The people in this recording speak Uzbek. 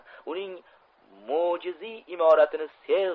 uning mojiziy imoratini sev